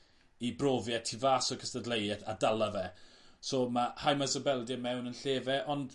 i brofi e tu fas o cystadleueth a dala fe. So ma' Haimar Zubeldia mewn yn lle fe ond